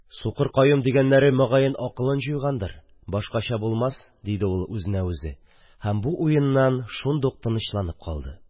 «сукыр каюм дигәннәре, могаен, акылын җуйгандыр, башкача булмас!» – диде ул үзенә-үзе һәм бу уеннан шундук тынычланып калды.